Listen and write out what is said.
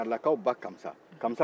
jaaralakaw ba kamisa